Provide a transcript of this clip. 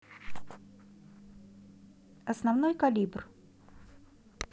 основной калибр